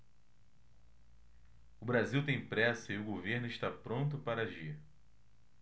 o brasil tem pressa e o governo está pronto para agir